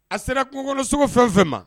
A sera kungogoso fɛn fɛn ma